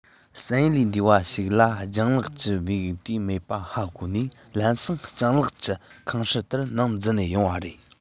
བསམ ཡུལ ལས འདས པ ཞིག ལ ལྗད ལགས ཀྱིས བེའུ དེ མེད པ ཧ གོ ནས ལམ སེང སྤྱང ལགས ཀྱི ཁང ཧྲུལ དེའི ནང འཛུལ ཡོང བ རེད